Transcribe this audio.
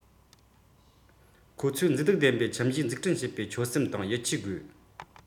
ཁོ ཚོས མཛེས སྡུག ལྡན པའི ཁྱིམ གཞིས འཛུགས སྐྲུན བྱེད པའི ཆོད སེམས དང ཡིད ཆེས དགོས